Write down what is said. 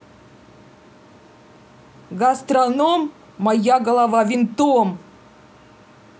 gastronom моя голова винтом